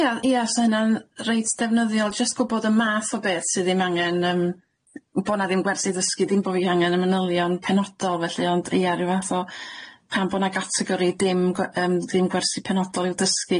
Ia ia sa hynna'n reit defnyddiol jyst gwbod y math o beth sydd ddim angen yym bo' na ddim gwers i ddysgu dim bo' fi angen y manylion penodol felly ond ia ryw fath o pam bo' na gategori dim gwe- yym ddim gwersi penodol i'w dysgu?